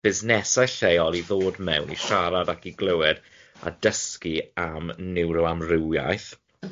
Busnesau lleol i ddod mewn, i siarad ac i glywed, a dysgu am niwroamrywiaeth ocê.